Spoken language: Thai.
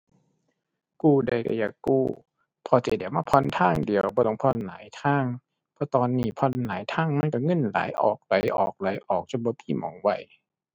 กู้ได้ก็อยากกู้ เพราะจะได้มาผ่อนทางเดียวบ่ต้องผ่อนหลายทาง เพราะตอนนี้ผ่อนหลายทางมันก็เงินไหลออก ไหลออก ไหลออกจนบ่มีหม้องไว้